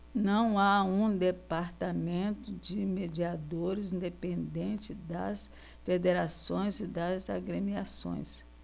não há um departamento de mediadores independente das federações e das agremiações